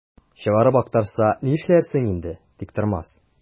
Чыгарып актарса, нишләрсең инде, Тиктормас?